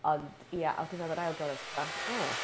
Ond ia, a wedyn oedd yr ail gyfres fatha "o".